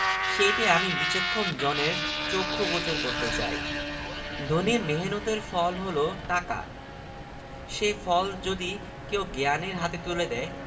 এমনকি কার্পেটের উপরও গাদা গাদা বই স্তূপীকৃত হয়ে পড়ে থাকত পা ফেলা ভার এক বন্ধু তাই মার্ক টুয়েনকে বললেন